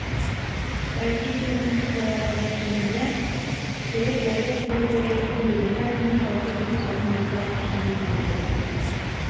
Россия Президенты сайлауларына килгәндә, ТР Дәүләт Советы Рәисе Бөгелмә районы халкы дөрес адым ясар дип ышануын белдерде.